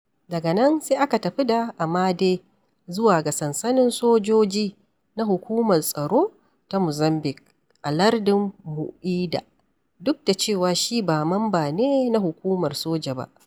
Daga nan sai aka tafi da Amade zuwa ga sansanin sojoji na hukumar tsaro ta Mozambiƙue a lardin Mueda, duk da cewa shi ba mamba ne na hukumar soja ba.